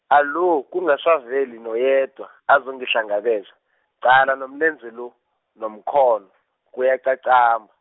alo kungasaveli noyedwa, azongihlangabeza, qala nomlenze lo, nomkhono, kuyaqaqamba.